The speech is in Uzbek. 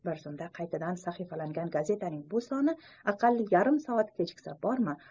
bir zumda qaytadan sahifalangan gazetaning bu soni aqalli yarim soat kechiksa bormi